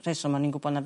Rheswm o'n i'n gwbo na...